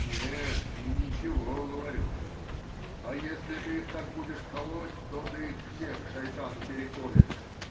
— Нет, не ничего,— говорю,— а если ты их так будешь колоть, то ты их всех шайтану переколешь.